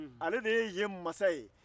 ale de ye yen masa ye